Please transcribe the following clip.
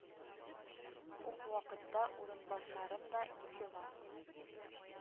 Үк вакытта урынбасарым да, кетеван